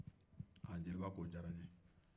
aa jeliba ko o diyara ale ye